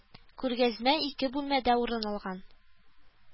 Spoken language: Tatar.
Күргәзмә ике бүлмәдә урын алган